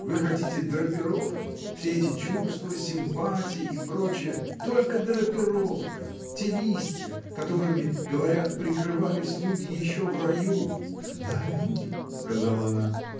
Вы хотите драпировки: все эти чувства, симпатии и прочее — только драпировка, те листья, которыми, говорят, прикрывались люди еще в раю. — Да, люди! — сказала она.